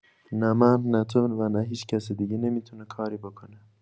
نه من، نه تو و نه هیچ‌کس دیگه نمی‌تونه کاری بکنه.